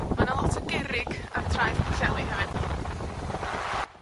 Ma' 'na lot o gerrig ar traeth Pwllheli hefyd.